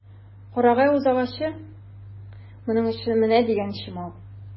Карагай үзагачы моның өчен менә дигән чимал.